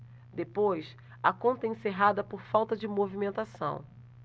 depois a conta é encerrada por falta de movimentação